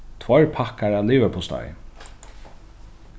tveir pakkar av livurpostei